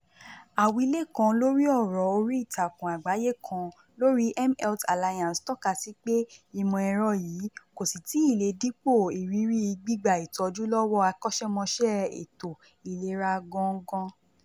Àwílé kan lórí ọ̀rọ̀ orí ìtàkùn àgbáyé kan lórí mHealth Alliance tọ́ka sí pé ìmọ̀ ẹ̀rọ yìí kò sì tíì lè dípò ìrírí gbígba ìtọ́jú lọ́wọ́ akọ́ṣẹ́mọṣẹ́ ètò ìlera gangan.